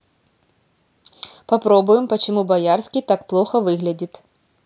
попробуем почему боярский так плохо выглядит